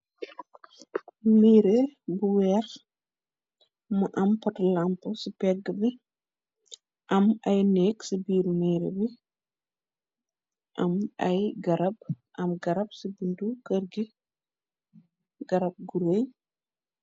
Miire bu weer, mu am potilampo ci pegg bi, am ay néeg ci biiru miiré bi, am ay garab, am garab ci buntu kër gi garab gu réy.